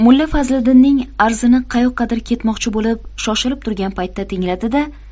mulla fazliddinning arzini qayoqqadir ketmoqchi bo'lib shoshilib turgan paytda tingladida